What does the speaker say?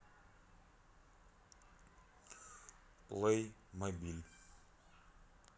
плеймобиль